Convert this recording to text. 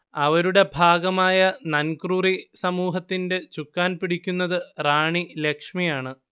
അവരുടെ ഭാഗമായ നൻക്രുറി സമൂഹത്തിന്റെ ചുക്കാൻ പിടിക്കുന്നത് റാണി ലക്ഷ്മിയാണ്